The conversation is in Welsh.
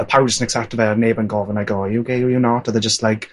odd pawb jyst yn acsepto fe a odd neb yn gofyn like ooh ar you gay or you not odd e jyst like*